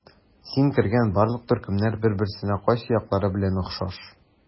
Син кергән барлык төркемнәр бер-берсенә кайсы яклары белән охшаш?